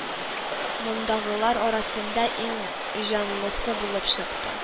Мондагылар арасында иң җанлысы булып чыкты